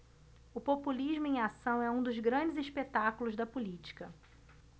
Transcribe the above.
o populismo em ação é um dos grandes espetáculos da política